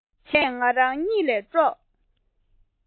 ཐན ཕྲུག བཀྲ བཟང ལ དམའ འབེབས